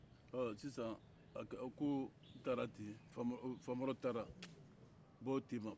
ɔ sisan a ko taara ten famɔrɔ taara bɔ tema